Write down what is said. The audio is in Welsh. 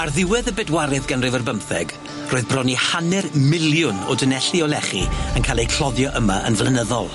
Ar ddiwedd y bedwaredd ganrif ar bymtheg, roedd bron i hanner miliwn o dunelli o lechi yn cael eu cloddio yma yn flynyddol.